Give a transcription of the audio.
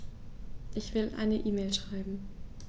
Ich will eine E-Mail schreiben.